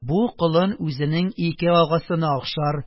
Бу колын үзенең ике агасына охшар,